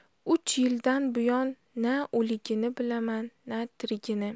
uch yildan buyon na o'ligini bilaman na tirigini